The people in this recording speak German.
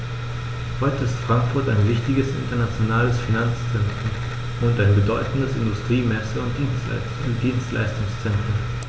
Heute ist Frankfurt ein wichtiges, internationales Finanzzentrum und ein bedeutendes Industrie-, Messe- und Dienstleistungszentrum.